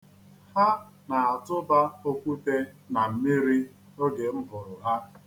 Ha na-atụba okwute na mmiri oge m hụrụ ha.